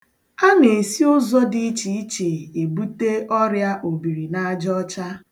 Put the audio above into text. A na-esi ụzọ dị iche iche ebute ọrịa obirinaajaọcha.